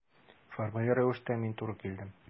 Формаль рәвештә мин туры килдем.